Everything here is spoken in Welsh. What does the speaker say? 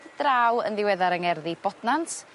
...draw yn ddiweddar y ngerddi Bodnant